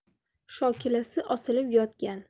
shokilasi osilib yotgan